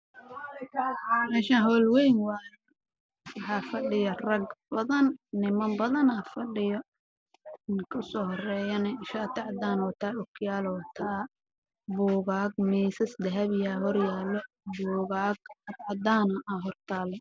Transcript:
Waa hool waxaa iskugu imaaday niman badan